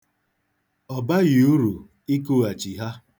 Ọ baghị uru ikughchi ya.